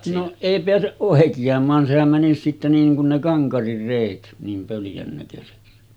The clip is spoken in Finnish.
no ei pääse oikeamaan sehän menisi sitten niin kuin ne Kankarin reet niin pöljän näköisiksi